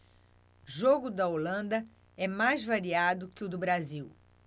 jogo da holanda é mais variado que o do brasil